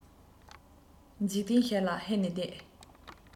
འཇིག རྟེན ཞིག ལ ཧད ནས བསྡད